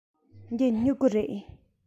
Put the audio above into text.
འདི སྨྱུ གུ རེད